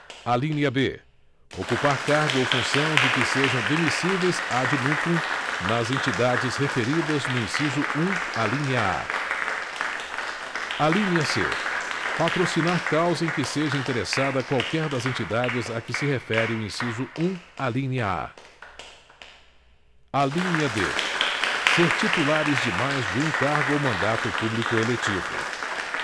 alínea b ocupar cargo ou função de que sejam demissíveis ad nutum nas entidades referidas no inciso um alínea a alínea c patrocinar causa em que seja interessada qualquer das entidades a que se refere o inciso um alínea a alínea d ser titulares de mais de um cargo ou mandato público eletivo